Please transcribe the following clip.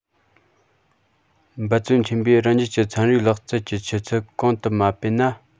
འབད བརྩོན ཆེན པོས རང རྒྱལ གྱི ཚན རིག ལག རྩལ གྱི ཆུ ཚད གོང དུ མ སྤེལ ན